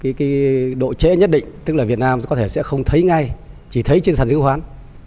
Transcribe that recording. ký ký độ trễ nhất định tức là việt nam có thể sẽ không thấy ngay chỉ thấy trên sàn chứng khoán